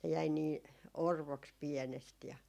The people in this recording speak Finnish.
ne jäi niin orvoksi pienestä ja